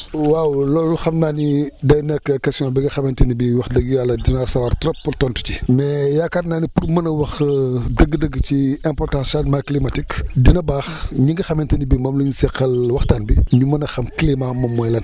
waaw loolu xam naa ni day nekk question bi nga xamante ni bii wax dëgg yàlla dinaa sawar trop pour tontu ci mais yaakaar naa ne pour mën a wax dëgg dëgg ci importance changement climatique dina baax ñi nga xamante ne bii moom la ñu seqal waxtaan bi ñu mën a xam climat moom mooy lan